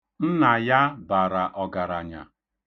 Nna ya bara ọgaranya.